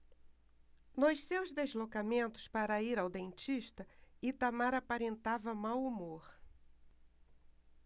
nos seus deslocamentos para ir ao dentista itamar aparentava mau humor